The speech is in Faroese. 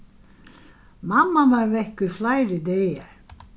mamman var vekk í fleiri dagar